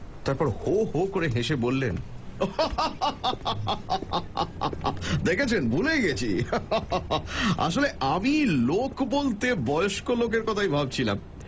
তারপর হো হো করে হেসে বললেন দেখেছেন ভুলেই গেছি আসলে আমি লোক বলতে বয়স্ক লোকের কথাই ভাবছিলাম